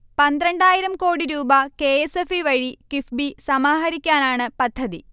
പന്ത്രണ്ടായിരം കോടിരൂപ K. S. F. E വഴി കിഫ്ബി സമാഹരിക്കാനാണ് പദ്ധതി